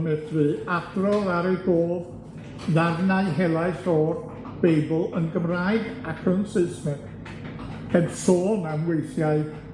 medru adrodd ar ei gof ddarnau helaeth o Beibl yn Gymraeg ac yn Saesneg, heb sôn am weithiau